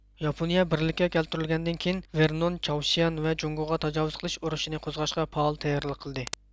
ياپونىيە بىرلىككە كەلتۈرۈلگەندىن كېيىن ۋېرنون چاۋشيەن ۋە جۇڭگوغا تاجاۋۇز قىلىش ئۇرۇشىنى قوزغاشقا پائال تەييارلىق قىلدى